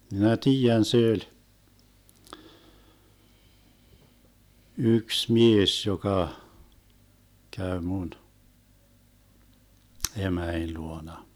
minä tiedän se oli yksi mies joka kävi minun emäni luona